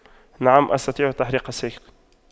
نعم أستطيع تحريك ساقي